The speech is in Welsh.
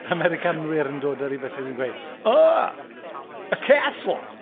Americanwyr yn dod ar ei bysys yn gweud "Oh, a castle!".